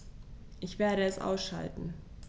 Ich werde es ausschalten